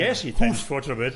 Ges i trench foot rhwbryd.